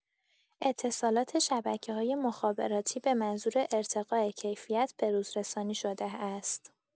اتصالات شبکه‌های مخابراتی به منظور ارتقاء کیفیت به‌روزرسانی شده است.